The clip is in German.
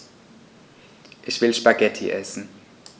Ich will Spaghetti essen.